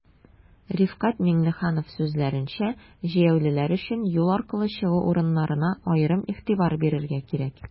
Рифкать Миңнеханов сүзләренчә, җәяүлеләр өчен юл аркылы чыгу урыннарына аерым игътибар бирергә кирәк.